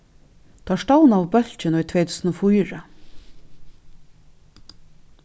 teir stovnaðu bólkin í tvey túsund og fýra